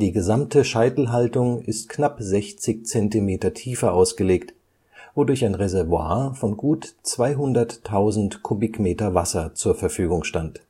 gesamte Scheitelhaltung ist knapp 60 cm tiefer ausgelegt, wodurch ein Reservoir von gut 200.000 m³ Wasser zur Verfügung stand